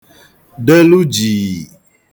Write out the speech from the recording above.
delụ jìì